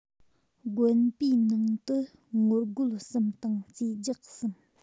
དགོན པའི ནང དུ ངོ རྒོལ གསུམ དང རྩིས རྒྱག གསུམ